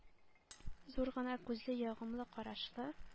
Зур гына күзле, ягымлы карашлы,